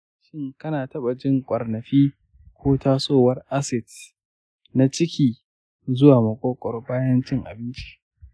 shin kana taɓa jin ƙwarnafi ko tasowar acid na ciki zuwa maƙogwaro bayan cin abinci?